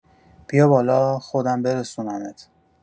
بیا بالا خودم برسونمت.